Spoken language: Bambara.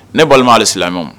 Ne balima a silamɛɔn ma